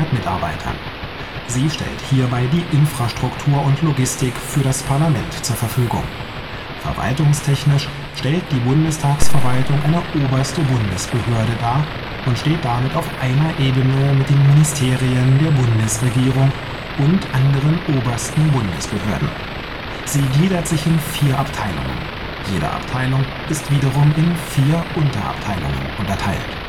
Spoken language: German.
Mitarbeitern. Sie stellt hierbei die Infrastruktur und Logistik für das Parlament zur Verfügung. Verwaltungstechnisch stellt die Bundestagsverwaltung eine oberste Bundesbehörde dar und steht damit auf einer Ebene mit den Ministerien der Bundesregierung und anderen obersten Bundesbehörden. Sie gliedert sich in vier Abteilungen. Jede Abteilung ist wiederum in vier Unterabteilungen unterteilt